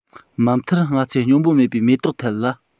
མ མཐར ང ཚོས སྙོམས པོ མེད པའི མེ ཏོག ཐད ལ